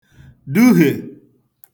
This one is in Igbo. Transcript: duhè